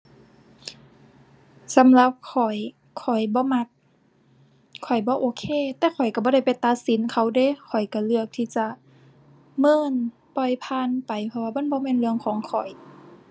สำหรับข้อย ข้อยบ่มัก ข้อยบ่โอเค แต่ข้อยก็บ่ได้ไปตัดสินเขาเดะ ข้อยก็เลือกที่จะเมิน ปล่อยผ่านไป เพราะว่ามันบ่แม่นเรื่องของข้อย